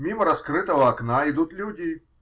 Мимо раскрытого окна идут люди